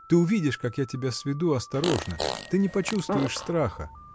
ты увидишь, как я тебя сведу осторожно: ты не почувствуешь страха.